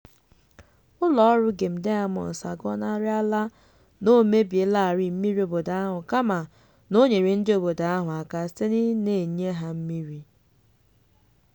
Ụlọọrụ Gem Diamonds agọnarịala na ọ mebielarị mmiri obodo ahụ kama na o nyere ndị obodo ahụ aka site ị na-enye ha mmiri.